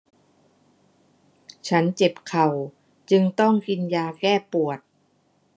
ฉันเจ็บเข่าจึงต้องกินยาแก้ปวด